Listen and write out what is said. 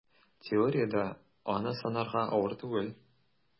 Теориядә аны санарга авыр түгел: